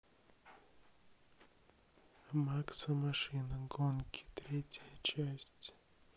макса машина гонки третья часть